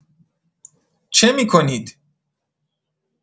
چه می‌کنید؟